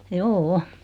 joo